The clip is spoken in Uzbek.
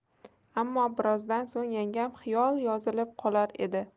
ammo birozdan so'ng yangam xiyol yozilib qolar edi